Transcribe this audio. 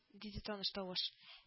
— диде таныш тавыш